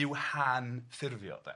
I'w hanffurfio de.